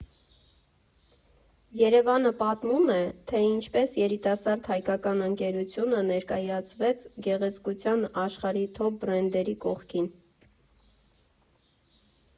ԵՐԵՎԱՆ֊ը պատմում է, թե ինչպես երիտասարդ հայկական ընկերությունը ներկայացվեց գեղեցկության աշխարհի թոփ֊բրենդերի կողքին։